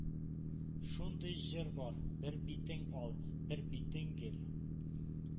Шундый җыр бар: бер битең ал, бер битең гөл.